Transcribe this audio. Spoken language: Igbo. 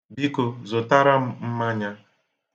Biko zụtara m mmanya.